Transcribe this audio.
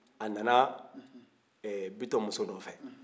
a nana ɛɛ bitɔn muso nɔfɛ